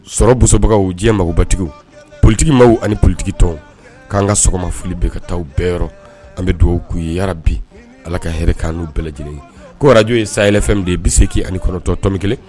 Sɔrɔ bubagaw diɲɛ magobatigiw politigima ani ptigi tɔn k'an ka sɔgɔma fili bɛ ka taa bɛɛyɔrɔ an bɛ dugawu' ye ya bi ala ka h ka n'u bɛɛ lajɛlen ye ko arajo ye sayayfɛn min de bɛ se k' ani kɔnɔntɔn to min kelen